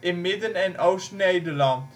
in Midden - en Oost Nederland.